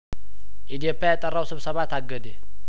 ኢዴፓ የጠራው ስብሰባ ታገደ